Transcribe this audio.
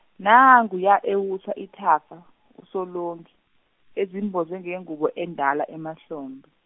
nanguya ewusa ithafa, uSolongi, ezimboze ngengubo endala emahlombe.